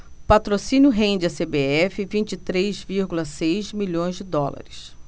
patrocínio rende à cbf vinte e três vírgula seis milhões de dólares